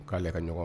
K'ale ka ɲɔgɔn